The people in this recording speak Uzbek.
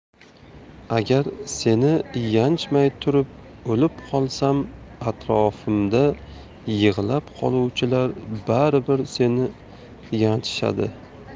agar seni yanchmay turib o'lib qolsam atrofimda yig'lab qoluvchilar baribir seni yanchishadi